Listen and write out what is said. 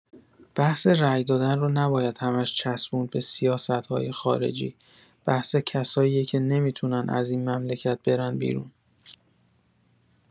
بحث رای دادن رو نباید همش چسبوند به سیاست‌های خارجی، بحث کساییه که نمی‌تونن از این مملکت برن بیرون